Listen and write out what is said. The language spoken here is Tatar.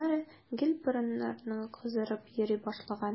Аннары гел борыннарың кызарып йөри башлады.